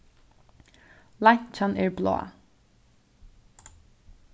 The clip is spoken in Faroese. leinkjan er blá